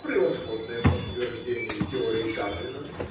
Превосходное подтверждение теории Дарвина,